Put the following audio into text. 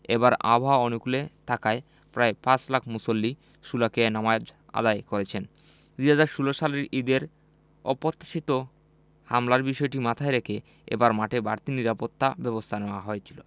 এবার আবহাওয়া অনুকূলে থাকায় প্রায় পাঁচ লাখ মুসল্লি শোলাকিয়ায় নামাজ আদায় করেছেন ২০১৬ সালের ঈদের অপ্রত্যাশিত হামলার বিষয়টি মাথায় রেখে এবার মাঠে বাড়তি নিরাপত্তাব্যবস্থা নেওয়া হয়েছিল